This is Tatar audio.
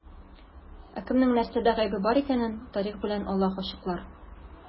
Ә кемнең нәрсәдә гаебе бар икәнен тарих белән Аллаһ ачыклар.